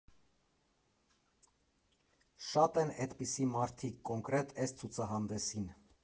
Շատ են էդպիսի մարդիկ, կոնկրետ էս ցուցահանդեսին։